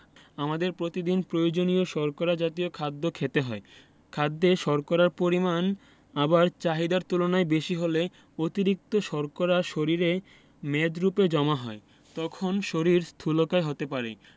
আমাদের প্রতিদিন প্রয়োজনীয় শর্করা জাতীয় খাদ্য খেতে হয় খাদ্যে শর্করার পরিমাণ আবার চাহিদার তুলনায় বেশি হলে অতিরিক্ত শর্করা শরীরে মেদরুপে জমা হয় তখন শরীর স্থুলকায় হতে পারে